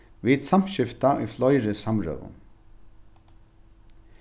vit samskifta í fleiri samrøðum